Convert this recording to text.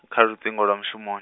kha luṱingo lwa mushumon-.